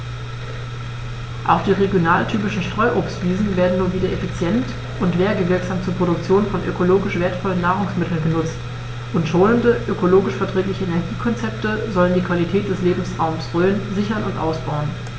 Auch die regionaltypischen Streuobstwiesen werden nun wieder effizient und werbewirksam zur Produktion von ökologisch wertvollen Nahrungsmitteln genutzt, und schonende, ökologisch verträgliche Energiekonzepte sollen die Qualität des Lebensraumes Rhön sichern und ausbauen.